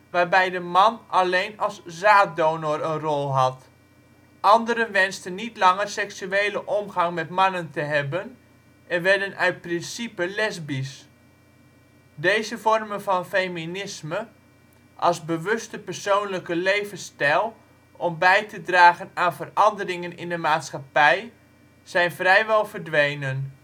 waarbij de man alleen als zaaddonor een rol had. Anderen wensten niet langer seksuele omgang met mannen te hebben en werden uit principe lesbisch. Deze vormen van feminisme, als bewuste persoonlijke levensstijl om bij te dragen aan veranderingen in de maatschappij, zijn vrijwel verdwenen